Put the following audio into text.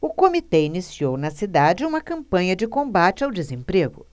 o comitê iniciou na cidade uma campanha de combate ao desemprego